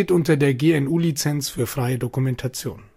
unter der GNU Lizenz für freie Dokumentation